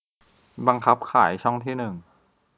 บังคับขายช่องที่หนึ่ง